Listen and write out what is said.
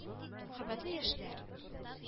Хөрмәтле яшьләр